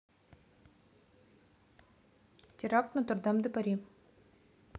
теракт нотердам де пари